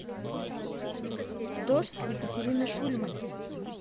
дождь екатерины шульман